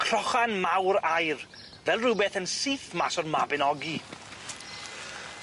Crochan mawr aur, fel rwbeth yn syth mas o'r Mabinogi.